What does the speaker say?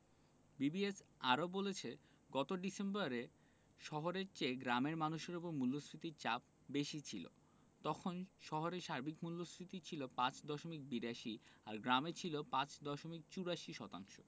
BBS আরও বলেছে গত ডিসেম্বরে শহরের চেয়ে গ্রামের মানুষের ওপর মূল্যস্ফীতির চাপ বেশি ছিল তখন শহরে সার্বিক মূল্যস্ফীতি ছিল ৫ দশমিক ৮২ আর গ্রামে ছিল ৫ দশমিক ৮৪ শতাংশ